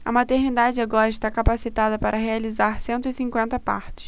a maternidade agora está capacitada para realizar cento e cinquenta partos